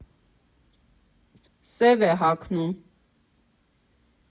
Սև է հագնում։